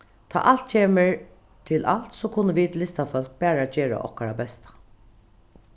tá alt kemur til alt so kunnu vit listafólk bara gera okkara besta